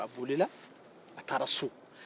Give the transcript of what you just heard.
a bolila a taara so